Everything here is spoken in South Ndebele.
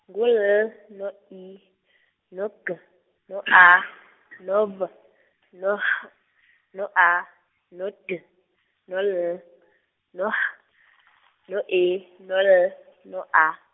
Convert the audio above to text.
ngu L, no I, no G, no A, no B, no H, no A, no D, no L, no H , no E, no L, no A.